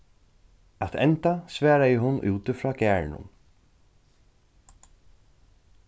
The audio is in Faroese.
at enda svaraði hon úti frá garðinum